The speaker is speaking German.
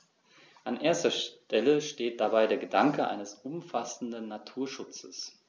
An erster Stelle steht dabei der Gedanke eines umfassenden Naturschutzes.